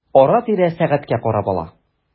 Ара-тирә сәгатькә карап ала.